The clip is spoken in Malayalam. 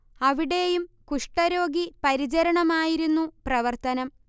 അവിടേയും കുഷ്ടരോഗി പരിചരണമായിരുന്നു പ്രവർത്തനം